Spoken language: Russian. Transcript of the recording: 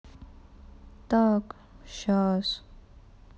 так щас